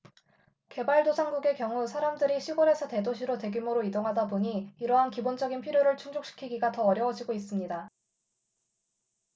개발도상국의 경우 사람들이 시골에서 대도시로 대규모로 이동하다 보니 이러한 기본적인 필요를 충족시키기가 더 어려워지고 있습니다